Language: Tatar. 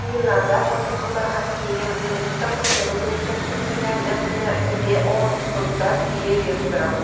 Уеннарда хатын-кызлар хоккеен беренче тапкыр ТВ буенча күрсәткәндә, нәкъ менә Реом бозда феерия тудыра.